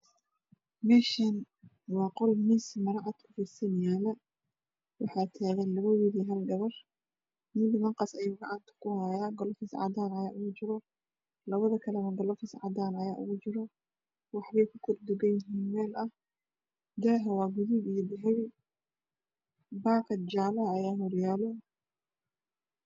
Meeshaani waa qol miis maro cad ku fidsan yaalo waxaa taagan labo wiil iyo hal gabar mid maqas ayuu gacanta ku hayaa galoofis cadaan ah ayaa oogu jira labada kalane galoofis cadaan ayaa oogu jira waxbey ku kor dhagan yihiin meel ah daaha waa guduud iyo dahabi baakad jaalo ah ayaa horyaalo